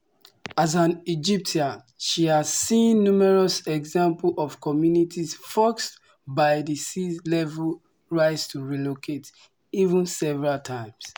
As an Egyptian, she has seen numerous examples of communities forced by the sea level rise to relocate, even several times.